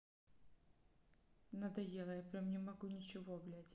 надоело я прям не могу ничего блядь